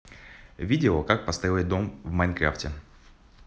видео как построить дом в майнкрафте